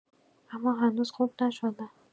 اما هنوز خوب نشده